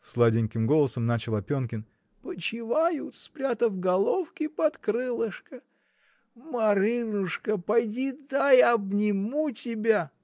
— сладеньким голосом начал Опенкин, — почивают, спрятав головки под крылышко! Маринушка! поди, дай, обниму тебя.